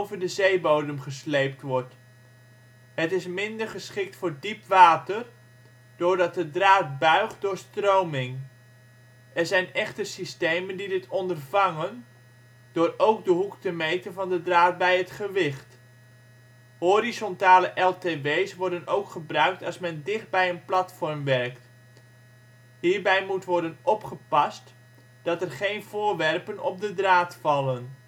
de zeebodem gesleept wordt. Het is minder geschikt voor diep water, doordat de draad buigt door stroming. Er zijn echter systemen die dit ondervangen door ook de hoek te meten van de draad bij het gewicht. Horizontale LTW 's worden ook gebruikt als men dicht bij een platform werkt. Hierbij moet worden opgepast dat er geen voorwerpen op de draad vallen